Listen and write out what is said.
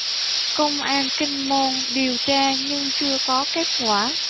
công an kinh môn điều tra nhưng chưa có kết quả